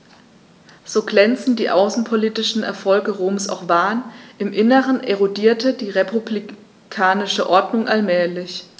So glänzend die außenpolitischen Erfolge Roms auch waren: Im Inneren erodierte die republikanische Ordnung allmählich.